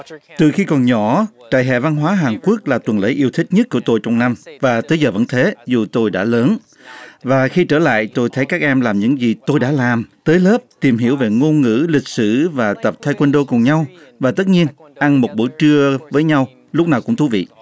từ khi còn nhỏ trại hè văn hóa hàn quốc là tuần lễ yêu thích nhất của tôi trong năm và tới giờ vẫn thế dù tôi đã lớn và khi trở lại tôi thấy các em làm những gì tôi đã làm tới lớp tìm hiểu về ngôn ngữ lịch sử và tập tây côn đô cùng nhau và tất nhiên ăn một bữa trưa với nhau lúc nào cũng thú vị